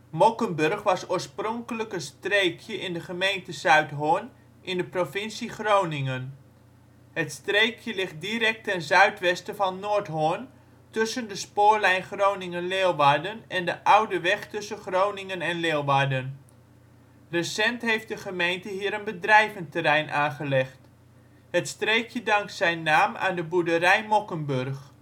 Mokkenburg was oorspronkelijk een streekje in de gemeente Zuidhorn in de provincie Groningen. Het streekje ligt direct ten zuidwesten van Noordhorn, tussen de spoorlijn Groningen - Leeuwarden en de oude weg tussen Groningen en Leeuwarden. Recent heeft de gemeente hier een bedrijventerrein aangelegd. Het streekje dankt zijn naam aan de boerderij Mokkenburg